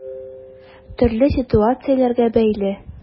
Төрле ситуацияләргә бәйле.